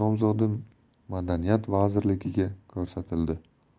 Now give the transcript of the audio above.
nazarbekov nomzodi madaniyat vaziriligiga ko'rsatildi